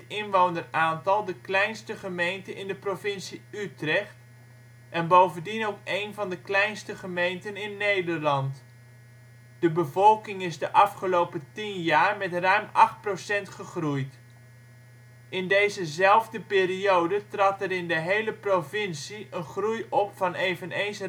inwoneraantal de kleinste gemeente in de provincie Utrecht, en bovendien ook één van de kleinste gemeenten in Nederland. De bevolking is de afgelopen tien jaar met ruim 8 % gegroeid. In deze zelfde periode trad er in de hele provincie een groei op van eveneens